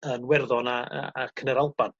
yn Werddon a... ac yn Yr Alban